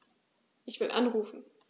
Ich will anrufen.